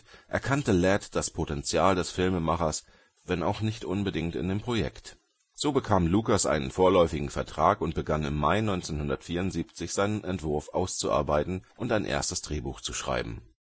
erkannte Ladd das Potenzial des Filmemachers, wenn auch nicht unbedingt in dem Projekt. So bekam Lucas einen vorläufigen Vertrag und begann im Mai 1974 seinen Entwurf auszuarbeiten und ein erstes Drehbuch zu schreiben